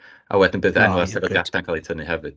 A wedyn bydd enwau a sefydliadau'n cael eu tynnu hefyd.